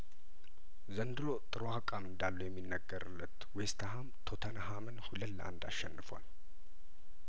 ዘንድሮ ጥሩ አቃም እንዳለው የሚነገር ለት ዌስትሀም ቶተንሀምን ሁለት ለአንድ አሸንፏል